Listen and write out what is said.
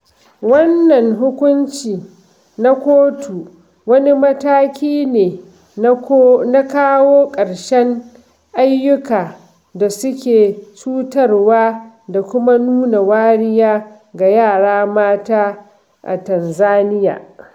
Wannan hukunci na kotu wani mataki ne na kawo ƙarshen aiyuka da suke cutarwa da kuma nuna wariya ga yara mata a Tanzaniya.